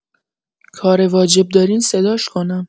کار واجب دارین صداش کنم؟